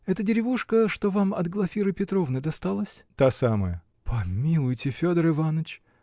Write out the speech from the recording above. -- Это деревушка, что вам от Глафиры Петровны досталась? -- Та самая. -- Помилуйте, Федор Иваныч!